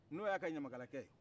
n'o y'a ka ɲamakala kɛ ye